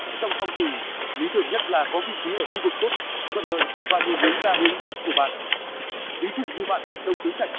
trong phong thủy lý tưởng nhất là có vị trí ở khu vực tốt thuận lợi và nhìn hướng ra hướng tốt của bạn ví dụ như bạn hợp đông tứ trạch